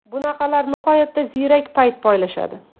bunaqalar nihoyatda ziyrak payt poylashadi